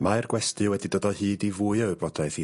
Mae'r gwesty wedi dod o hyd i fwy o wybodaeth i...